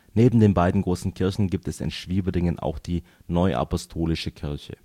Neben den beiden großen Kirchen gibt es in Schwieberdingen auch die Neuapostolische Kirche